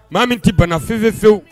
Maa min tɛ banafinfɛ fiwu